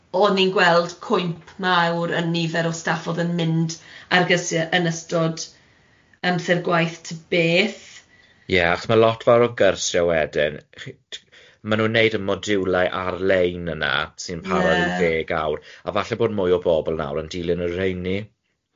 O ni'n gweld cwymp mawr yn nifer o staff o'dd yn mynd ar gyrsie yn ystod amser gwaith ta beth. Ie, achos ma' lot fawr o gyrsie wedyn ma- ma' nhw'n neud y modiwle ar-lein yna sy'n para ryw ddeg awr, a falle bod mwy o bobl nawr yn dilyn y rheini.